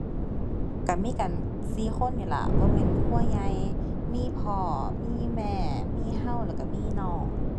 ก็มีกันสี่คนนี่ล่ะ บ่แม่นครัวใหญ่ มีพ่อ มีแม่ มีก็แล้วก็มีน้อง